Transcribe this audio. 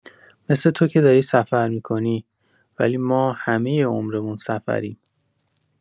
مثل تو که داری سفر می‌کنی، ولی ما همه عمرمون سفریم.